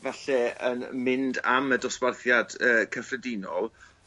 falle yn mynd am y dosbarthiad yy cyffredinol